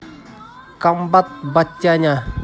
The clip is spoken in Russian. комбат батяня